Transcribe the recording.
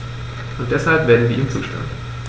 Und deshalb werden wir ihm zustimmen.